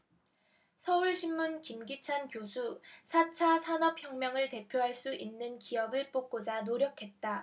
서울신문 김기찬 교수 사 차 산업혁명을 대표할 수 있는 기업을 뽑고자 노력했다